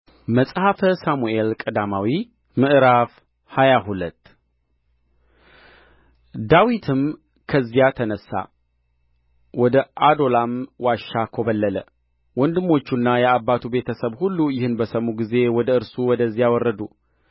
መጽሐፈ ሳሙኤል ቀዳማዊ ምዕራፍ ሃያ ሁለት ዳዊትም ከዚያ ተነሣ ወደ ዓዶላም ዋሻ ኮበለለ ወንድሞቹና የአባቱም ቤተ ሰብ ሁሉ ይህን በሰሙ ጊዜ ወደ እርሱ ወደዚያ ወረዱ